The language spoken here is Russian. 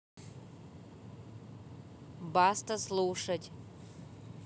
баста слушать